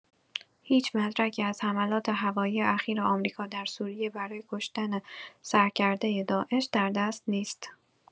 هیچ مدرکی از حملات هوایی اخیر آمریکا در سوریه برای کشتن سرکرده داعش در دست نیست.